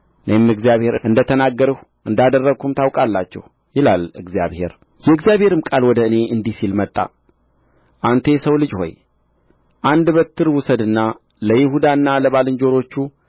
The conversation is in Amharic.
እኔም እግዚአብሔር እንደ ተናገርሁ እንዳደረግሁም ታውቃላችሁ ይላል እግዚአብሔር የእግዚአብሔርም ቃል ወደ እኔ እንዲህ ሲል መጣ አንተ የሰው ልጅ ሆይ አንድ በትር ውሰድና ለይሁዳና ለባልንጀሮቹ